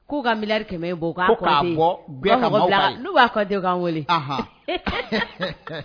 K'u ka 100000000 bɔ n'u b'a compté u k'an weele.